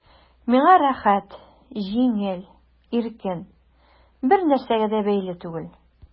Миңа рәхәт, җиңел, иркен, бернәрсәгә дә бәйле түгел...